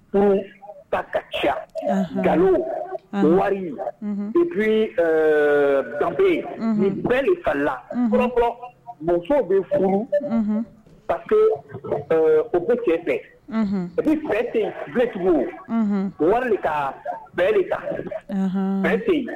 Furu paka ca nkalonlo wari ipi dɔnkilibe bere falaurankɔ musow bɛ furu papi o bɛ kɛ fɛ o bɛ fɛn ten bɛtigiw wari ka bere ta fɛn ten